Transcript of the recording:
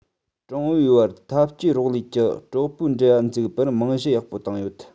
ཀྲུང ཨུའི བར འཐབ ཇུས རོགས ལས ཀྱི གྲོགས པོའི འབྲེལ བ འཛུགས པར རྨང གཞི ཡག པོ བཏིང ཡོད